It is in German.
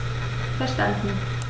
Verstanden.